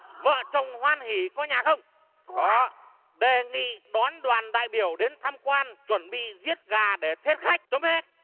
vợ chồng hoan hỉ có nhà không đề nghị đón đoàn đại biểu đến tham quan chuẩn bị giết gà để thiết khách chấm hết